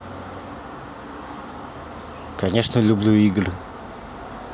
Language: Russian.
конечно люблю игры